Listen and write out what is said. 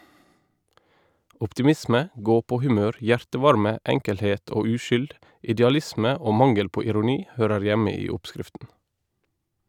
Optimisme, gåpåhumør, hjertevarme , enkelhet og uskyld, idealisme og mangel på ironi, hører hjemme i oppskriften.